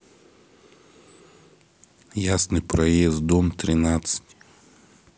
ясный проезд дом тринадцать